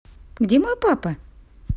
где мой папа